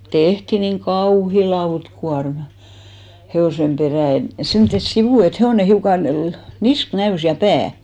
tehtiin niin kauhea lautakuorma hevosen perään että semmoiset sivut että hevonen hiukan - niska näkyi ja pää